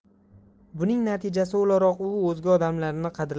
buning natijasi o'laroq u o'zga odamlarni qadrlay